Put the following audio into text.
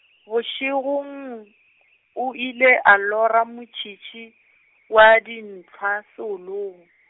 bošegong, o ile a lora motšhitšhi wa dintlhwa seolong.